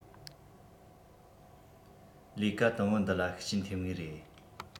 ལས ཀ དུམ བུ འདི ལ ཤུགས རྐྱེན ཐེབས ངེས རེད